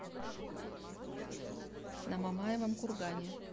на мамаевом кургане